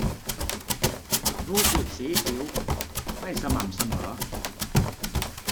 รู้สึกสีผิวไม่สม่ำเสมอ